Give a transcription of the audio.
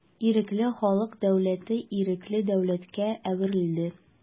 Ирекле халык дәүләте ирекле дәүләткә әверелде.